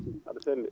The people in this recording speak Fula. a?a selli